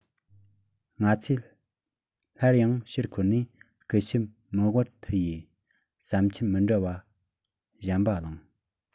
ང ཚོས སླར ཡང ཕྱིར འཁོར ནས སྐུ ཞབས མི ཝར ཐི ཡི བསམ འཆར མི འདྲ བ གཞན པ གླེང